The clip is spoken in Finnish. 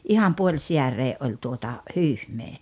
ihan puolisääreen oli tuota hyhmää